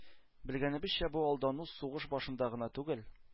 Белгәнебезчә, бу алдану сугыш башында гына түгел,